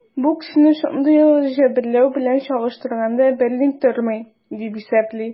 Бу кешене шундый ук җәберләү белән чагыштырганда берни тормый, дип исәпли.